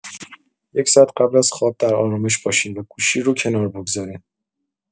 یک ساعت قبل از خواب در آرامش باشین و گوشی رو کنار بگذارین.